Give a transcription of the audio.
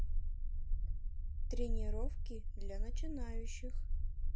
тренировки для начинающих